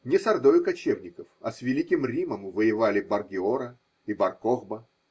Не с ордою кочевников, а с великим Римом воевали Бар-Гиора и Бар-Кохба!